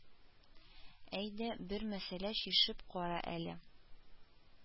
Әйдә, бер мәсьәлә чишеп кара әле